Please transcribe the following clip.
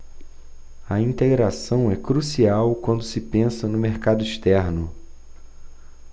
a integração é crucial quando se pensa no mercado externo